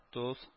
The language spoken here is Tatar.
Тоз